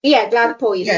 Ie Gwlad Pwyl.